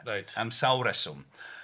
Reit... Am sawl rheswm.